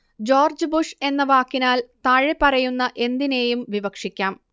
George Bush എന്ന വാക്കിനാൽ താഴെപ്പറയുന്ന എന്തിനേയും വിവക്ഷിക്കാം